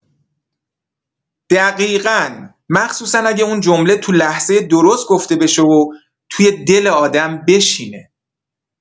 دقیقا، مخصوصا اگه اون جمله توی لحظه درست گفته بشه و توی دل آدم بشینه.